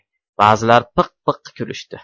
ba'zilar piq piq kulishdi